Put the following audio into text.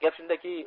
gap shundaki